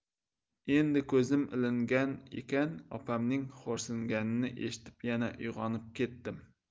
endi ko'zim ilingan ekan opamning xo'rsinganini eshitib yana uyg'onib ketdim